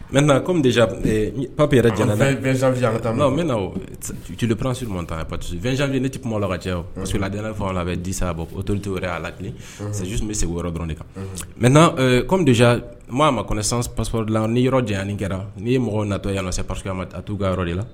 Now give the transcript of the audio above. Mɛ kɔmi papiz ka taa bɛ nalepsi ta parcesizɛn ne tɛ kuma la ka cɛ parcesilad ne fa la bɛ disa bɔ o t tɛ yɛrɛ a la sj bɛ segu yɔrɔ dɔrɔn de kan mɛ kɔmid maa ma ko san papsp la ni yɔrɔ janani kɛra n ni ye mɔgɔ natɔ yan sisan pa a taa ka yɔrɔ de la